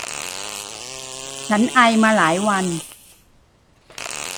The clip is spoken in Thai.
ฉันไอมาหลายวัน